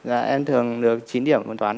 dạ em thường được chín điểm môn toán ạ